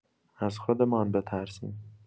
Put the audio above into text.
از خودمان بترسیم.